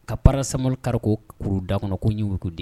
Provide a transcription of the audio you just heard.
Ka baarara samokarako kuruda kɔnɔ ko yuruguden